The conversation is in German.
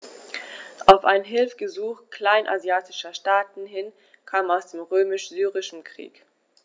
Auf ein Hilfegesuch kleinasiatischer Staaten hin kam es zum Römisch-Syrischen Krieg.